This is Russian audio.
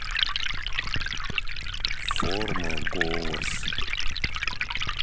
форма голос